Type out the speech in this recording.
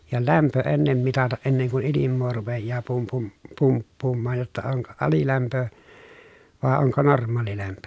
ja lämpö ennen mitata ennen kuin ilmaa rupeaa -- pumppuamaan jotta onko alilämpö vai onko normaalilämpö